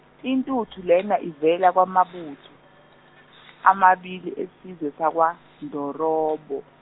intuthu lena ivela kwamabuthu, ambili esizwe sakwaNdorobo.